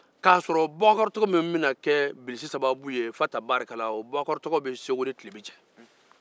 u y'a ye k'a bɛ segu ni tilebin cɛ